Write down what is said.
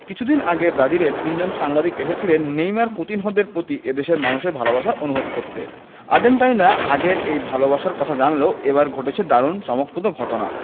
কিছুদিন আগেই ব্রাজিলের তিনজন সাংবাদিক এসেছিলেন নেইমার কুতিনহোদের প্রতি এ দেশের মানুষের ভালোবাসা অনুভব করতে আর্জেন্টাইনরা আগেই এই ভালোবাসার কথা জানলেও এবার ঘটেছে দারুণ চমকপ্রদ ঘটনা